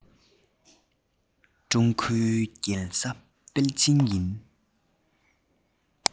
ཀྲུང གོའི རྒྱལ ས པེ ཅིང ཡིན